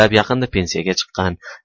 yaqinda pensiyaga chiqqan